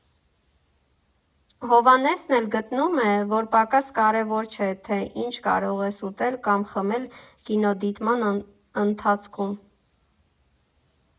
Հովհաննեսն էլ գտնում է, որ պակաս կարևոր չէ, թե ինչ կարող ես ուտել կամ խմել կինոդիտման ընթացքում։